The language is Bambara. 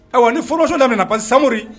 Ayiwa ni fɔlɔso lamina pa samori